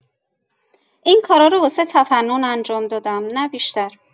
این کارها رو واسه تفنن انجام دادم، نه بیشتر!